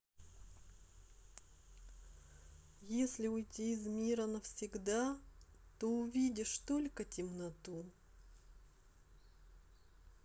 если уйти из мира навсегда то увидишь только темноту